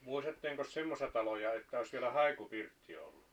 muistattekos semmoista taloa että olisi vielä haikupirtti ollut